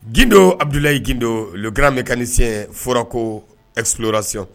Gdo abudulayi gdo kkira min ka sen foroko esrasi